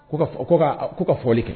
Ko ka ko ka a ko ka fɔli kɛ.